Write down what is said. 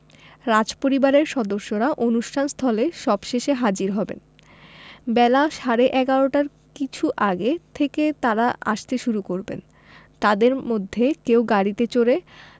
রাজপরিবারের সদস্যরা অনুষ্ঠান স্থলে সবশেষে হাজির হবেন বেলা সাড়ে ১১টার কিছু আগে থেকে তাঁরা আসতে শুরু করবেন তাঁদের মধ্যে কেউ গাড়িতে চড়ে